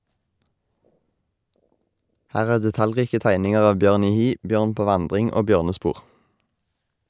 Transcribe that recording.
Her er detaljrike tegninger av bjørn i hi, bjørn på vandring og bjørnespor.